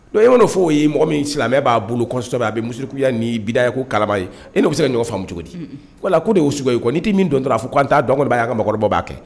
Ɔn i mana f'o ye mɔgɔ min silamɛya b'a bolo kosɛbɛ a bɛ misiriku ya ni bida ko kalama e n'o bɛ se ka ɲɔgɔn faamu cogo di? Un un voilà ko de y'o cogo ya ye, ni tɛ min dɔn dɔrɔn a fɔ ko n t'a dɔn, n kɔni b'a ye an ka mɔgɔkɔrɔbaw b'a kɛ